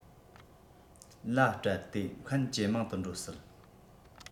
ལ སྤྲད དེ མཁན ཇེ མང དུ འགྲོ སྲིད